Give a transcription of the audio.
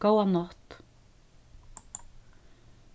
góða nátt